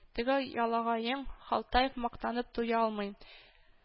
Теге ялагаең Халтаев мактанып туя алмый